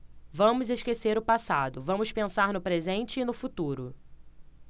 vamos esquecer o passado vamos pensar no presente e no futuro